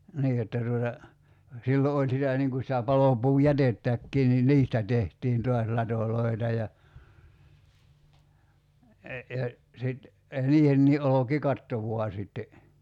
niin jotta tuota silloin oli sitä niin kuin sitä palopuujätettäkin niin niistä tehtiin taas latoja ja ja sitten niihinkin olkikatto vain sitten